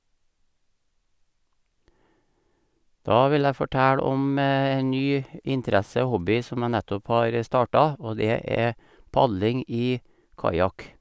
Da vil jeg fortelle om en ny interesse og hobby som jeg nettopp har starta, og det er padling i kajak.